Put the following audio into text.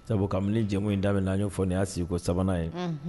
Sabu kabini jɛmu in daminɛna an y'o de fɔ nin y'a sigiko sabanan ye, unhun